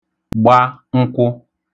gba nkwụ